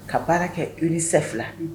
Ka baara kɛ u ni fila